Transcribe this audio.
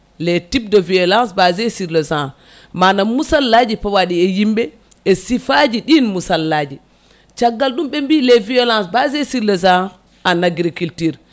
les types de violences basées sur le genre manam musallaji pawaɗi e yimɓe e siifaji ɗin musallaji caggal ɗum ɓe mbi les violences basées sur le genre en agriculture